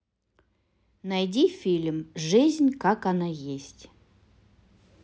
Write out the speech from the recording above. найди фильм жизнь как она есть